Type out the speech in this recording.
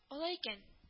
Алай икән